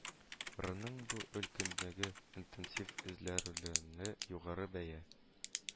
Рының бу өлкәдәге интенсив эзләнүләренә югары бәя